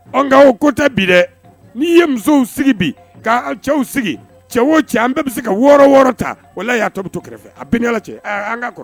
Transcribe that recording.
O ko tɛ bi dɛ n' ye musow sigi bi k cɛw sigi cɛw o cɛ an bɛɛ bɛ se ka wɔɔrɔ wɔɔrɔ ta wala y'a to bɛ to kɛrɛfɛ a bɛ ala cɛ an ka kɔrɔ